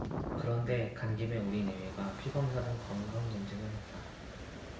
그런데 간 김에 우리 내외가 피검사 등 건강검진을 했다